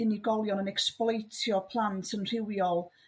unigolion yn ecsblaetio plant yn rhywiol